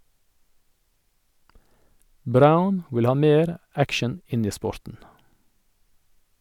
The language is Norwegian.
Braun vil ha mer action inn i sporten.